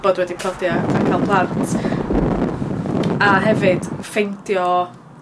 bod wedi prodi a a ca'l plant a hefyd ffeindio